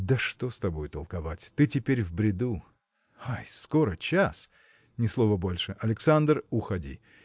Да что с тобою толковать: ты теперь в бреду. Ай! скоро час. Ни слова больше, Александр; уходи.